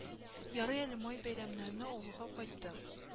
Ярый әле май бәйрәмнәренә авылга кайтты